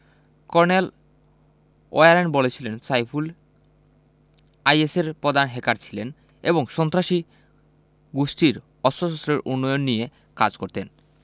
colonel Warren বলেছিলেন সাইফুল আইএসের প্রধা হ্যাকার ছিলেন এবং সন্ত্রাসী গোষ্ঠীর অস্ত্রশস্ত্রের উন্নয়ন নিয়ে কাজ করতেন